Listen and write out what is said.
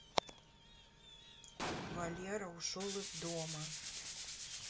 валера ушел из дома